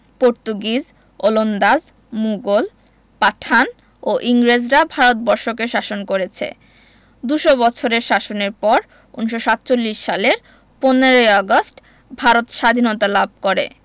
Portuguese ওলন্দাজ মুঘল পাঠান ও ইংরেজরা ভারত বর্ষকে শাসন করেছে দু'শ বছরের শাসনের পর ১৯৪৭ সালের ১৫ ই আগস্ট ভারত সাধীনতা লাভ করে